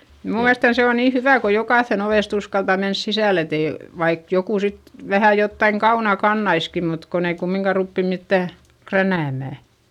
minun mielestäni se on niin hyvä kun jokaisen ovesta uskaltaa mennä sisälle että ei vaikka joku sitten vähän jotakin kaunaa kantaisikin mutta kun ei kumminkaan rupea mitään kränäämään